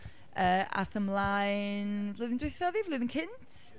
yy, aeth ymlaen, flwyddyn diwethaf oedd hi, flwyddyn cynt?